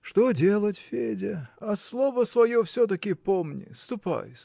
Что делать, Федя; а слово свое все-таки помни. Ступай.